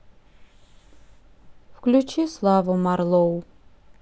включи слава марлоу